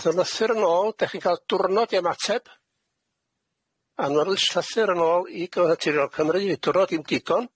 Gath o lythyr yn ôl, dech chi'n ca'l diwrnod i ymateb, a ma' lystathur yn ôl i gyfathaturiol Cymru i dwrnod i'm digon.